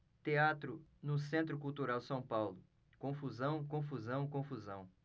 teatro no centro cultural são paulo confusão confusão confusão